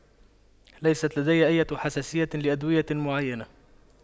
ليست لدي اية حساسية لأدوية معينة